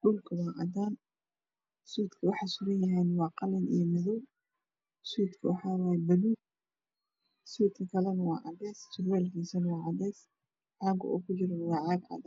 dhulka waa cadaan suudka waxa suranyahayna waa qalin madow suudka waxa waaye baluug suudka kalane waa cadays surwaalkiisana waa cadays caaga uu ku jirana waa caag cadaan ah